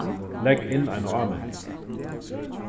legg inn eina áminning